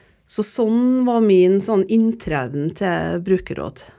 så sånn var min sånn inntreden til brukerråd.